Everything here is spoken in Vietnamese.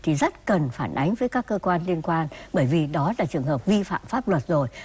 thì rất cần phản ánh với các cơ quan liên quan bởi vì đó là trường hợp vi phạm pháp luật rồi